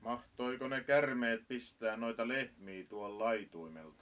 mahtoiko ne käärmeet pistää noita lehmiä tuolla laitumella tai